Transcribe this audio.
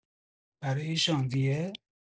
برای ژانویه؟